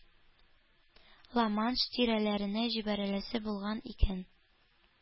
Ла-Манш тирәләренә җибәреләсе булган икән.